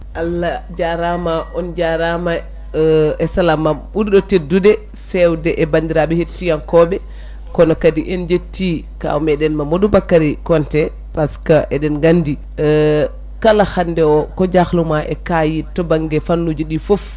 Allah jarama on jarama e salamam ɓurɗo teddude fewde e bandiraɓe hettiyankoɓe kono kadi en jetti kaw meɗen Mamadou Bakary Konté par ce que eɗen gandi kala hande o ko jahluma e kayit to banggue fannuji ɗi foof